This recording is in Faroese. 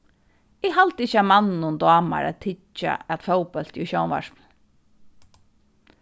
eg haldi ikki at manninum dámar at hyggja at fótbólti í sjónvarpinum